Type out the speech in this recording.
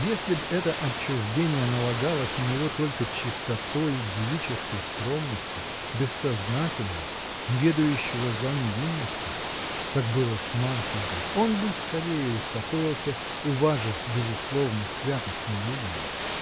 Если б это отчуждение налагалось на него только чистотой девической скромности, бессознательно, неведающею зла невинностью, как было с Марфинькой, он бы скорее успокоился, уважив безусловно святость неведения.